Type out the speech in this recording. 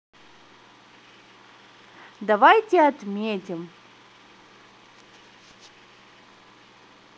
давайте отметим